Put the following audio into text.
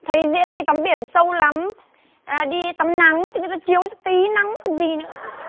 thấy diễn đi tắm biển sâu lắm à đi tắm nắng thì bây giờ chiếu cho tí nắng còn gì nữa